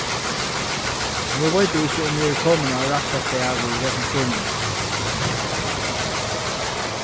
nú veit eg ikki um eg eri komin á rætta stað við hesum spurningi